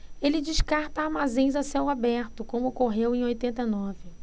ele descarta armazéns a céu aberto como ocorreu em oitenta e nove